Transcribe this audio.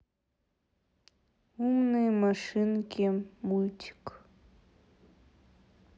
умные машинки мультик